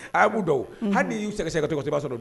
A b'u dɔn wo, hali n'i y'u sɛgɛsɛgɛ waat o waati i b'a sɔrɔ